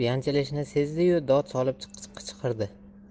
yanchilishini sezdi yu dod solib qichqirdi